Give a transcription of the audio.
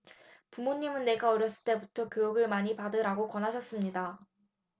부모님은 내가 어렸을 때부터 교육을 많이 받으라고 권하셨습니다